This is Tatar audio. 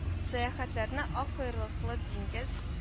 Сәяхәтчеләрне ак койрыклы диңгез